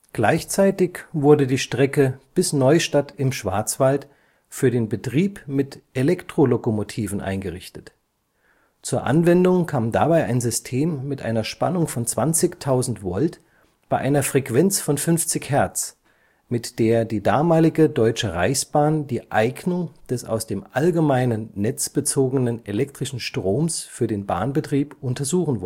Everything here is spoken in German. Gleichzeitig wurde die Strecke bis Neustadt im Schwarzwald für den Betrieb mit Elektrolokomotiven eingerichtet. Zur Anwendung kam dabei ein System mit einer Spannung von 20.000 Volt bei einer Frequenz von 50 Hertz, mit der die damalige Deutsche Reichsbahn die Eignung des aus dem allgemeinen Netz bezogenen elektrischen Stromes für den Bahnbetrieb untersuchen